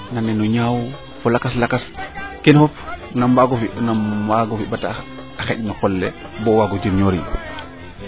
nan nena ñaaw fo lakas lakas keene fop nam waago fi bata xenj no qol le bo waago jir ñoorin